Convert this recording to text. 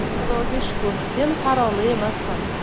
xudoga shukr sen haromi emassan